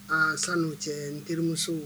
Aa san n'o cɛ n terimuso